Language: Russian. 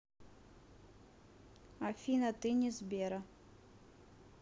афина ты не сбера